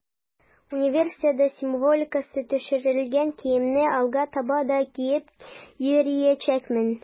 Универсиада символикасы төшерелгән киемне алга таба да киеп йөриячәкмен.